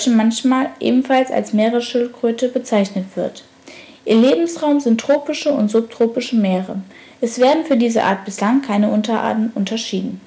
manchmal ebenfalls als Meeresschildkröten bezeichnet wird. Ihr Lebensraum sind tropische und subtropische Meere. Es werden für diese Art bislang keine Unterarten unterschieden